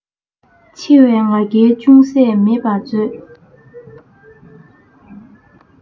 ཆེ བའི ང རྒྱལ ཅུང ཟད མེད པར མཛོད